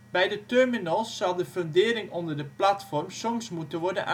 Bij de terminals zal de fundering onder de platforms moeten worden